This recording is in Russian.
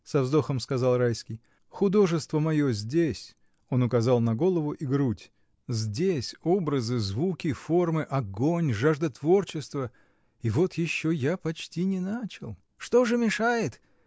— со вздохом сказал Райский, — художество мое здесь, — он указал на голову и грудь, — здесь образы, звуки, формы, огонь, жажда творчества, и вот еще я почти не начал. — Что же мешает?